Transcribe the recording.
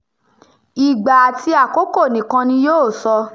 Ìgbà àti àkókò nìkan ni yóò sọ.